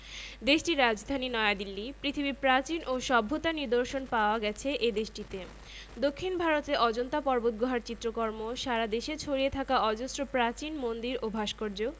দেশটির রাজধানী নয়াদিল্লী পৃথিবীর প্রাচীন ও সভ্যতার নিদর্শন পাওয়া গেছে এ দেশটিতে দক্ষিন ভারতে অজন্তা পর্বতগুহার চিত্রকর্ম সারা দেশে ছড়িয়ে থাকা অজস্র প্রাচীন মন্দির ও ভাস্কর্য